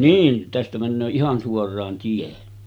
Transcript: niin tästä menee ihan suoraan tie